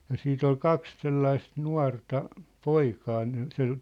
ja sitten oli kaksi sellaista nuorta poikaa ne -